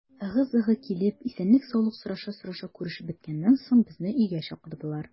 Ыгы-зыгы килеп, исәнлек-саулык сораша-сораша күрешеп беткәннән соң, безне өйгә чакырдылар.